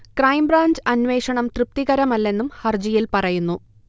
crime branch അന്വേഷണം തൃ്പതികരമല്ലെന്നും ഹർജിയിൽ പറയുന്നു